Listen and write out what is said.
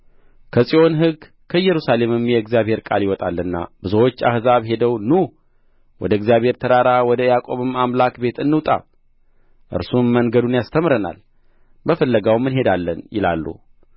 ከጽዮን ሕግ ከኢየሩሳሌምም የእግዚአብሔር ቃል ይወጣልና ብዙዎች አሕዛብ ሄደው ኑ ወደ እግዚአብሔር ተራራ ወደ ያዕቆብ አምላክ ቤት እንውጣ እርሱም መንገዱን ያስተምረናል በፍለጋውም እንሄዳለን ይላሉ